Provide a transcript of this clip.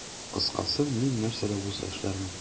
Кыскасы, мин нәрсә дә булса эшләрмен.